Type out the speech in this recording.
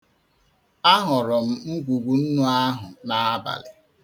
Ahụrụ m ngwugwu nnu ahụ n'abalị.